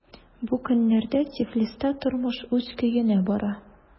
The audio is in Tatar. Бу көннәрдә Тифлиста тормыш үз көенә бара.